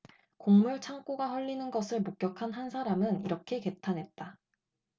곡물 창고가 헐리는 것을 목격한 한 사람은 이렇게 개탄했다